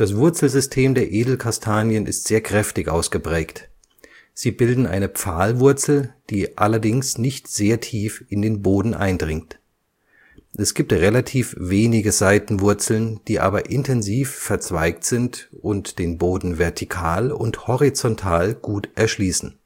Wurzelsystem der Edelkastanien ist sehr kräftig ausgeprägt. Sie bilden eine Pfahlwurzel, die allerdings nicht sehr tief in den Boden eindringt. Es gibt relativ wenige Seitenwurzeln, die aber intensiv verzweigt sind und den Boden vertikal und horizontal gut erschließen